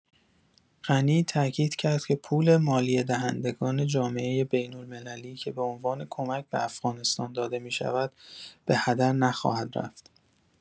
غنی تاکید کرد که پول مالیه دهنده گان جامعه بین‌المللی که به عنوان کمک به افغانستان داده می‌شود، به هدر نخواهد رفت.